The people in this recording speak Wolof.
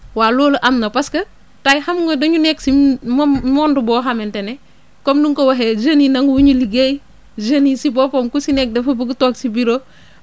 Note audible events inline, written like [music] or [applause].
waaw loolu am na parce que tey xam nga dañu nekk si mo monde boo xamante ne comme nu nga ko waxee jeunes yi nanguwuñu liggéey jeunes yi si boppam ku si nekk dafa bugg toog si bureau [breath]